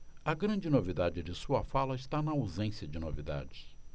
a grande novidade de sua fala está na ausência de novidades